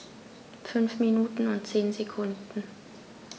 5 Minuten und 10 Sekunden